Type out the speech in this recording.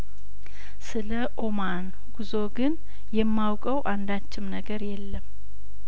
ስለኦማን ጉዞ ግን የማውቀው አንዳችም ነገር የለም